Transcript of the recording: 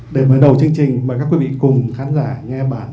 để mở đầu chương trình mời các quý vị cùng khán giả nghe bản